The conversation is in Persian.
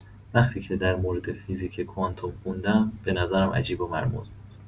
وقتی که در مورد فیزیک کوانتوم خوندم، به نظرم عجیب و مرموز بود.